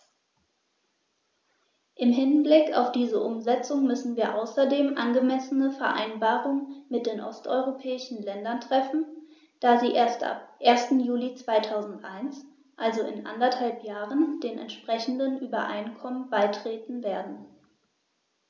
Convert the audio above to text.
Im Hinblick auf diese Umsetzung müssen wir außerdem angemessene Vereinbarungen mit den osteuropäischen Ländern treffen, da sie erst ab 1. Juli 2001, also in anderthalb Jahren, den entsprechenden Übereinkommen beitreten werden.